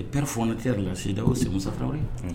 Ɛri f ne tɛri la si da o sesa ye